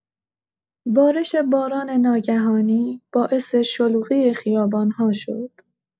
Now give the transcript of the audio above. بارش باران ناگهانی باعث شلوغی خیابان‌ها شد.